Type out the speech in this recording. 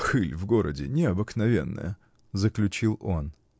Пыль в городе необыкновенная, -- заключил он.